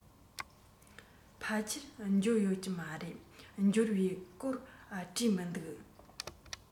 ཕལ ཆེར འབྱོར ཡོད ཀྱི མ རེད འབྱོར བའི སྐོར བྲིས མི འདུག